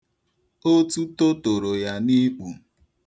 Otuto toro ya n'ikpu.